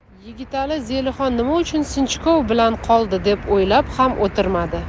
yigitali zelixon nima uchun sinchkov bo'lib qoldi deb o'ylab ham o'tirmadi